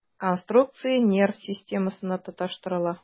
Конструкция нерв системасына тоташтырыла.